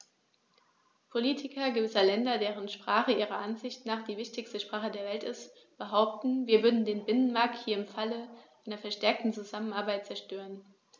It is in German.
Politiker gewisser Länder, deren Sprache ihrer Ansicht nach die wichtigste Sprache der Welt ist, behaupten, wir würden den Binnenmarkt hier im Falle einer verstärkten Zusammenarbeit zerstören.